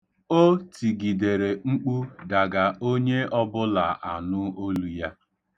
O tigidere mkpu daga onye ọbụla anụ olu ya.